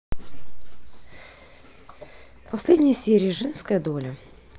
последняя серия женская доля